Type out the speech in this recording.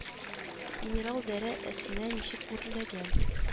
Генерал дәрә әсенә ничек үрләгән